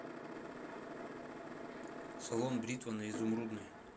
салон бритва на изумрудной